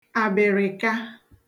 àbị̀rị̀ka